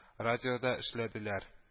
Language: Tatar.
Радиода эшләделәр